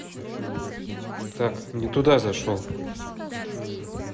так не туда и зашел